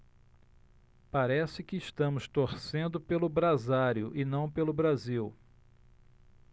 parece que estamos torcendo pelo brasário e não pelo brasil